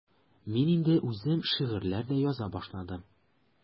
Мин инде үзем шигырьләр дә яза башладым.